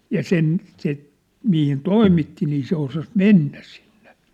ja sen se mihin toimitti niin se osasi mennä sinne